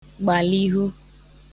gbàlihu